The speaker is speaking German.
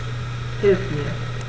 Hilf mir!